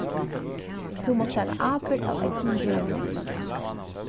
tú mást taka ábyrgd av egnum gerðum